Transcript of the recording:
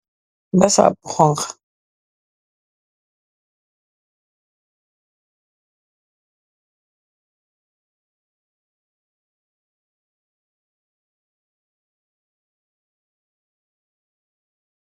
Bi sap bu xonxa